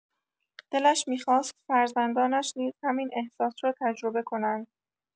دلش می‌خواست فرزندانش نیز همین احساس را تجربه کنند.